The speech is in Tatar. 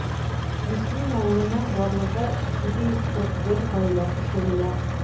Мөслим авылыннан барлыгы 741 гаилә күчерелә.